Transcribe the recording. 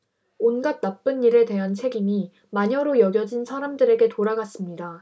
온갖 나쁜 일에 대한 책임이 마녀로 여겨진 사람들에게 돌아갔습니다